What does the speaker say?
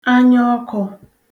anyaọkụ̄